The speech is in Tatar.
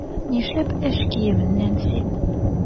Нишләп эш киеменнән син?